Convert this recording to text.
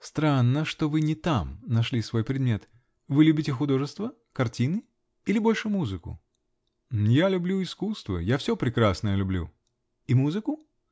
Странно что вы не там нашли свой предмет. Вы любите художества? Картины? или больше -- музыку? -- Я люблю искусство. Я все прекрасное люблю. -- И музыку?